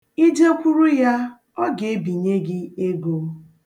I jekwuru ya, ọ ga-ebinye gị ego.